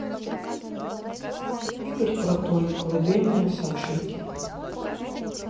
игорь крутой колыбельная сашеньке